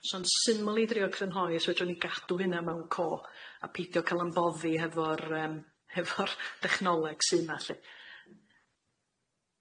So'n syml i drio' cythynhoi os fedron ni gadw hynna mewn co a peidio ca'l ymboddi hefo'r yym hefo'r dechnoleg sy' yma lly.